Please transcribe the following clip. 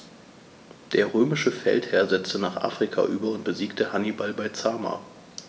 Der römische Feldherr setzte nach Afrika über und besiegte Hannibal bei Zama.